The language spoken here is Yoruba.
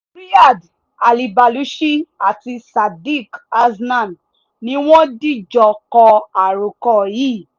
Riyadh Al Balushi àti Sadeek Hasna ni wọ́n dìjọ kọ àròkọ yìí.